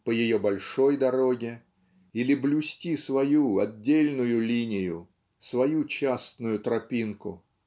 по ее большой дороге или блюсти свою отдельную линию свою частную тропинку.